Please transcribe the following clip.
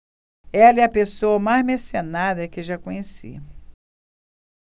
ela é a pessoa mais mercenária que já conheci